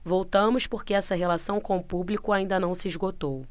voltamos porque essa relação com o público ainda não se esgotou